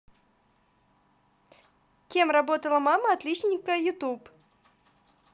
кем работала мама отличника youtube